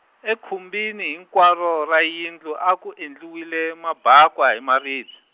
ekhumbini hinkwaro ra yindlu a ku endliwile mabakwa hi maribye.